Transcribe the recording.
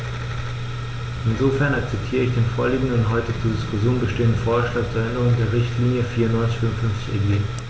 Insofern akzeptiere ich den vorliegenden und heute zur Diskussion stehenden Vorschlag zur Änderung der Richtlinie 94/55/EG.